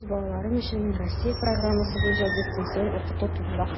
Үз балаларым өчен мин Россия программасы буенча дистанцион укыту турында хыялланам.